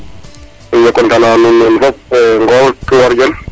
i content na nuun nuun fop Ngor Dione